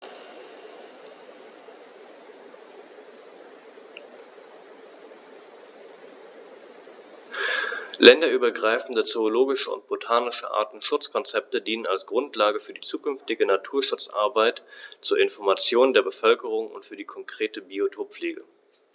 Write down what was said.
Länderübergreifende zoologische und botanische Artenschutzkonzepte dienen als Grundlage für die zukünftige Naturschutzarbeit, zur Information der Bevölkerung und für die konkrete Biotoppflege.